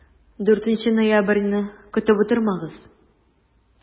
4 ноябрьне көтеп утырмагыз!